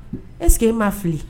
Eseke i ma fili